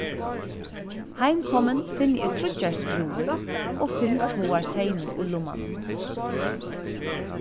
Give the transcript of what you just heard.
heimkomin finni eg tríggjar skrúvur og fimm smáar seymir í lummanum